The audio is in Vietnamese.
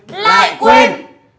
lại quên